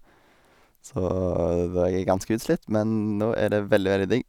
Så jeg er ganske utslitt, men nå er det veldig, veldig digg.